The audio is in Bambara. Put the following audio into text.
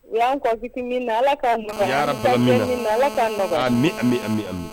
Yan min na ala karaba ala ka an bɛ an bɛ an